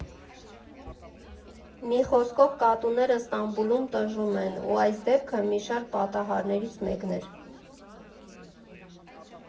Մի խոսքով՝ կատուները Ստամբուլում տժժում են, ու այս դեպքը մի շարք պատահածներից մեկն էր։